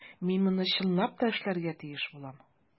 Мин моны чынлап та эшләргә тиеш булам.